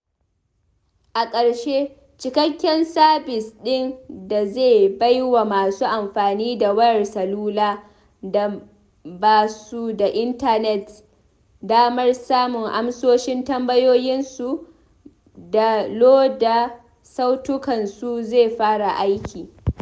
A ƙarshe, cikakken sabis ɗin da zai baiwa masu amfani da wayar salula da ba su da intanet damar samun amsoshin tambayoyinsu da loda sautukansu zai fara aiki.